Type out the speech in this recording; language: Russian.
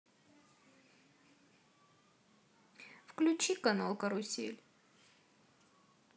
включи канал карусель